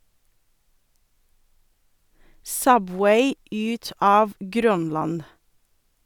Subway ut av Grønland!